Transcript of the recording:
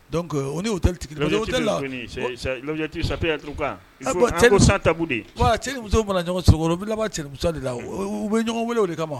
Donc o ni hotel tɛ kelen ye, l'objectf retenu, c'est c'est , parce que hotel la, l'objectif ça peut être quoi , ah bon , il faut an ko sans tabou de, voilà cɛ ni musow ma na ɲɔgɔn sɔrɔ ,o bɛ laban cɛnimusoya de la o, u bɛ ɲɔgɔn wele o de kama.